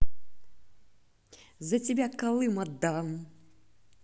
за тебя калым отдам